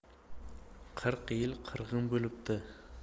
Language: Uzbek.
qirq yil qirg'in bo'libdi